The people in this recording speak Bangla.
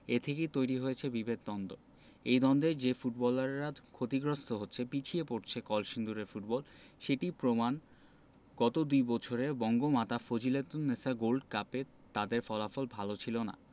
এ থেকেই তৈরি হয়েছে বিভেদদ্বন্দ্ব এই দ্বন্দ্বে যে ফুটবলাররা ক্ষতিগ্রস্ত হচ্ছে পিছিয়ে পড়ছে কলসিন্দুরের ফুটবল সেটির প্রমাণ গত দুই বছরে বঙ্গমাতা ফজিলাতুন্নেছা গোল্ড কাপে তাদের ফলাফল ভালো ছিল না